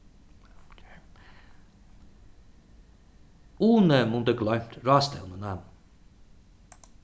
uni mundi gloymt ráðstevnuna